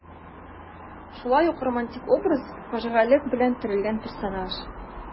Шулай ук романтик образ, фаҗигалек белән төрелгән персонаж.